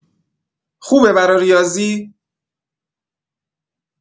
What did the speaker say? خوبه برا ریاضی؟